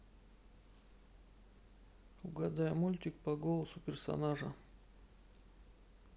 угадай мультик по голосу персонажа